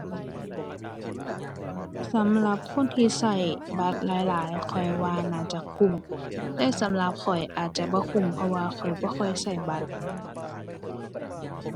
สำหรับคนที่ใช้บัตรหลายหลายข้อยว่าน่าจะคุ้ม แต่สำหรับข้อยอาจจะบ่คุ้ม เพราะว่าข้อยบ่ค่อยใช้บัตร